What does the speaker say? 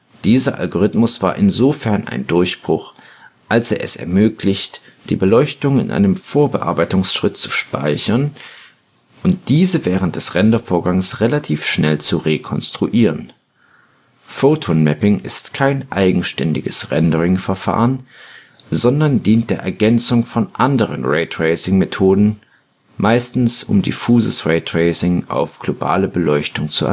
Dieser Algorithmus war insofern ein Durchbruch, als er es ermöglicht, die Beleuchtung in einem Vorbearbeitungsschritt zu speichern und diese während des Rendervorgangs relativ schnell zu rekonstruieren. Photon Mapping ist kein eigenständiges Rendering-Verfahren, sondern dient der Ergänzung von anderen Raytracing-Methoden – meistens, um diffuses Raytracing auf globale Beleuchtung zu